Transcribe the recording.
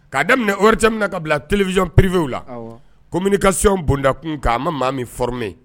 K kaa daminɛ o camanmina ka bila tlibiiyɔn pperebiwuw la kominikayyɛnɔnbonda kun'a ma maa min fme